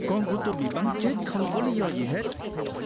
con của tôi bị bắn chết không có lý do gì hết